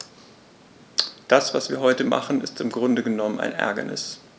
Das, was wir heute machen, ist im Grunde genommen ein Ärgernis.